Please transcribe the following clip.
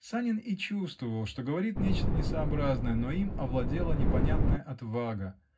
Санин и чувствовал, что говорит нечто несообразное, но им овладела непонятная отвага!